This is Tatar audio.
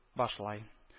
Башлай